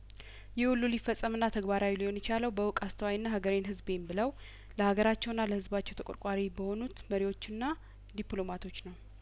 ይህ ሁሉ ሊፈጸምና ተግባራዊ ሊሆን የቻለው በእውቅ አስተዋይ ሀገሬንና ህዝቤን ብለው ለሀገራቸውና ለህዝባቸው ተቆርቋሪ በሆኑት መሪዎችና ዲፕሎማቶች ነው